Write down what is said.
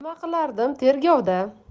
nima qilardim tergov da